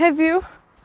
heddiw,